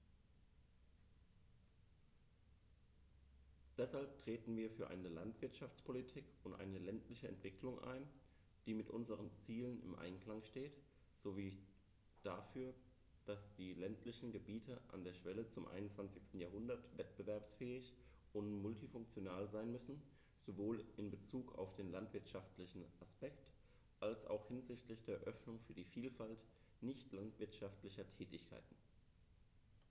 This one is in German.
Deshalb treten wir für eine Landwirtschaftspolitik und eine ländliche Entwicklung ein, die mit unseren Zielen im Einklang steht, sowie dafür, dass die ländlichen Gebiete an der Schwelle zum 21. Jahrhundert wettbewerbsfähig und multifunktional sein müssen, sowohl in bezug auf den landwirtschaftlichen Aspekt als auch hinsichtlich der Öffnung für die Vielfalt nicht landwirtschaftlicher Tätigkeiten.